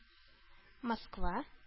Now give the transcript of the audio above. Москва